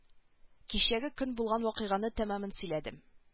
Кичәге көн булган вакыйганы тәмамән сөйләдем